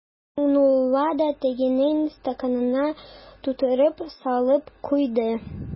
Миңнулла да тегенең стаканына тутырып салып куйды.